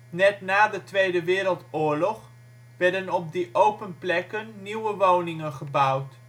Net na de Tweede Wereldoorlog werden er op die open plekken nieuwe woningen gebouwd